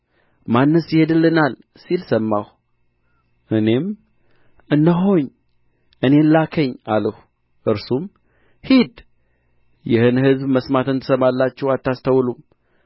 ማንስ ይሄድልናል ሲል ሰማሁ እኔም እነሆኝ እኔን ላከኝ አልሁ እርሱም ሂድ ይህን ሕዝብ መስማትን ትሰማላችሁ አታስተውሉምም